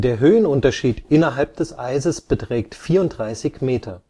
Höhenunterschied innerhalb des Eises beträgt 34 Meter